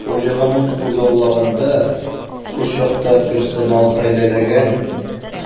Фаҗигане күзаллаганда, ул чакта персонал хәйләләгән